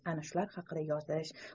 ana shular haqida yozish